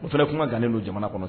O fana kuma gannen don jamana kɔnɔ